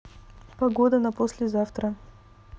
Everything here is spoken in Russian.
погода на послезавтра